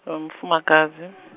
wa mufumakadzi .